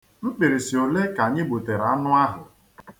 Mkpirisi ole ka anyị gbutere anụ ahụ?